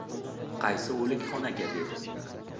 qaysi o'likxonaga dedi